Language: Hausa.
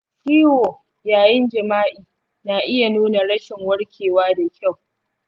ciwo yayin jima’i na iya nuna rashin warkewa da kyau.